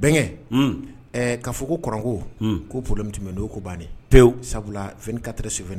bɛnkɛ ka fɔ ko k kɔrɔko ko pdenti don ko bannen pewu sabula f katɛ suf kan